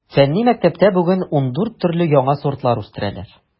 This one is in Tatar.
Фәнни мәктәптә бүген ундүрт төрле яңа сортлар үстерәләр.